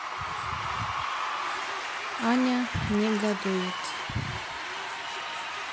аня негодует